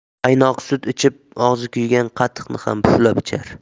qaynoq sut ichib og'zi kuygan qatiqni ham puflab ichar